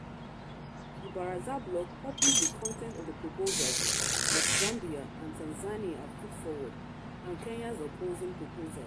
The Baraza blog published the content of the proposals that Zambia and Tanzania have put forward and Kenya's opposing proposal.